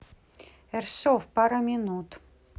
ershov пара минут